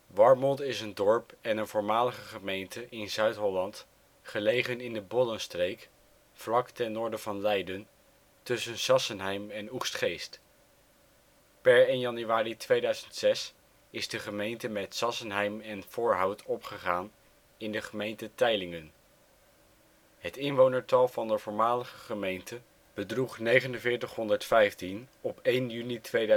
Warmond is een dorp en een voormalige gemeente in Zuid-Holland, gelegen in de Bollenstreek, vlak ten noorden van Leiden, tussen Sassenheim en Oegstgeest. Per 1 januari 2006 is de gemeente met Sassenheim en Voorhout opgegaan in de gemeente Teylingen. Het inwonertal van de voormalige gemeente bedroeg 4915 (1 juni 2005